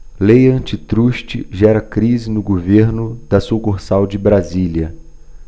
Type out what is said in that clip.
lei antitruste gera crise no governo da sucursal de brasília